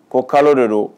Ko kalo de don